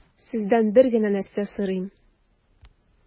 Сездән бер генә нәрсә сорыйм: